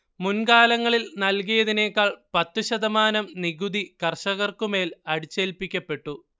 മുൻകാലങ്ങളിൽ നൽകിയതിനേക്കാൾ പത്തുശതമാനം നികുതി കർഷകർക്കുമേൽ അടിച്ചേൽപ്പിക്കപ്പെട്ടു